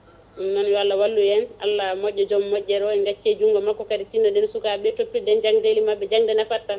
ɗum noon yo Allah wallu en Allah moƴƴo joom moƴƴere o en gacci e junggo makko kadi tinno ɗen e sukaɓe toppitoɗen jangdeli mabɓe jangde nafat tan